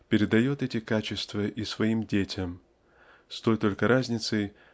передаЁт эти качества и своим детям с той только разницей